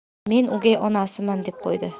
men o'gay onasiman deb qo'ydi